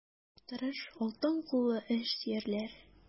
Тырыш, алтын куллы эшсөярләр.